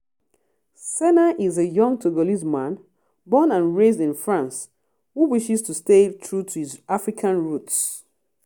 Sena is a young Togolese man, born and raised in France, who wishes to stay true to his African roots.